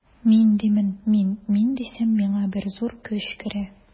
Мин димен мин, мин дисәм, миңа бер зур көч керә.